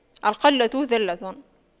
القلة ذلة